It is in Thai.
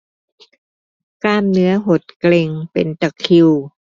กล้ามเนื้อหดเกร็งเป็นตะคริว